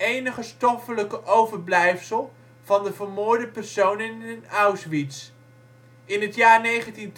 enige stoffelijke overblijfsel van de vermoorde personen in Auschwitz. In het jaar 1952